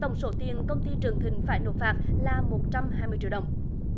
tổng số tiền công ty trường thịnh phải nộp phạt là một trăm hai mươi triệu đồng